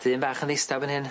Dyn bach yn ddistaw erbyn hyn?